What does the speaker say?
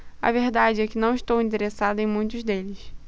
a verdade é que não estou interessado em muitos deles